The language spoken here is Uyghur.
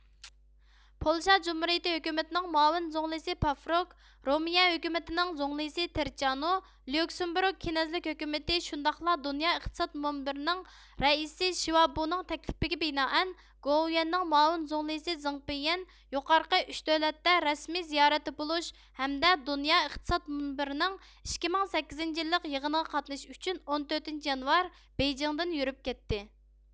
پولشا جۇمھۇرىيىتى ھۆكۈمىتىنىڭ مۇئاۋىن زۇڭلىسى پافروك رومىيە ھۆكۈمىتىنىڭ زۇڭلىسى تېرچانۇ ليۇكسېمبۇرگ كىنەزلىك ھۆكۈمىتى شۇنداقلا دۇنيا ئىقتىساد مۈنبىرىنىڭ رەئىسى شىۋابۇنىڭ تەكلىپىگە بىنائەن گوۋۇيۈەنىڭ مۇئاۋىن زۇڭلىسى زېڭ پىييەن يۇقارقى ئۈچ دۆلەتتە رەسمىي زىيارەتتە بولۇش ھەمدە دۇنيا ئىقتىساد مۇنبىرىنىڭ ئىككى مىڭ سەككىزىنچى يىللىق يىغىنىغا قاتنىشىش ئۈچۈن ئون تۆتىنچى يانۋار بېيجىڭدىن يۈرۈپ كەتتى